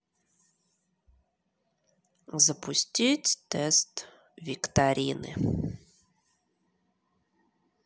запустить тест викторины